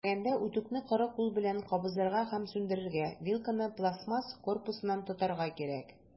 Эшләгәндә, үтүкне коры кул белән кабызырга һәм сүндерергә, вилканы пластмасс корпусыннан тотарга кирәк.